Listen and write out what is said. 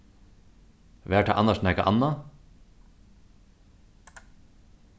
var tað annars nakað annað